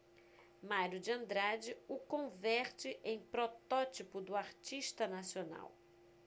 mário de andrade o converte em protótipo do artista nacional